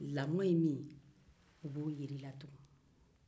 lamɔ ye min ye u b'o de jira i la tugun